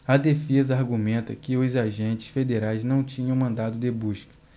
a defesa argumenta que os agentes federais não tinham mandado de busca